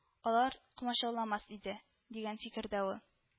Алар комачауламас иде, дигән фикердә ул